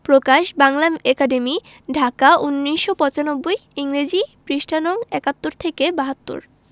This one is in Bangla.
প্রকাশ বাংলা একাডেমী ঢাকা ১৯৯৫ ইংরেজি পৃষ্ঠা নং ৭১ থেকে ৭২